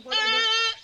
Hɛrɛ